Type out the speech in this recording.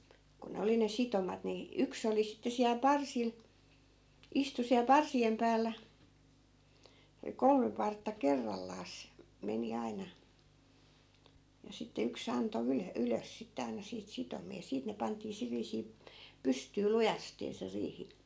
kun ne oli ne sitomat niin yksi oli sitten siellä parsilla istui siellä parsien päällä se oli kolme partta kerrallaan meni aina ja sitten yksi antoi - ylös sitten aina siitä sitomia ja siitä ne pantiin sillä viisiin pystyyn lujasti se riihi